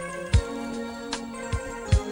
San yo yo